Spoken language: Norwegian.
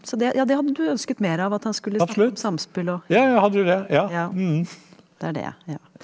så det ja det hadde du ønsket mer av, at han skulle snakke om samspill og ja det er det ja.